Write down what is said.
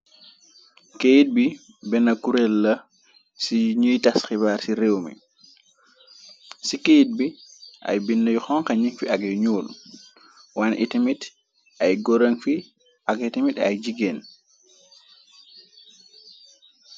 kéyit bi benn kurel la ci ñuy tasxibaar ci réew mi ci keyit bi ay binn yu xonxa nik fi ak yu nuul waan itimit ay goran fi ak itimit ay jigéen